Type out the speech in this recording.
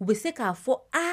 U bɛ se k'a fɔ